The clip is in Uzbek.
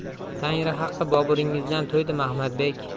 tangri haqqi boburingizdan to'ydim ahmadbek